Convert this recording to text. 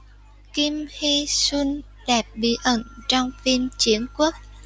kim hee sun đẹp bí ẩn trong phim chiến quốc